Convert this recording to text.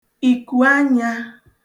ìkùanyā